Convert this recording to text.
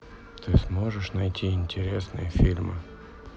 ты сможешь найти интересные фильмы